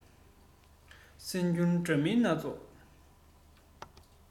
གསར འགྱུར འདྲ མིན སྣ ཚོགས